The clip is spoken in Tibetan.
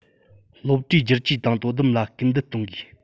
སློབ གྲྭའི བསྒྱུར བཅོས དང དོ དམ ལ སྐུལ འདེད གཏོང དགོས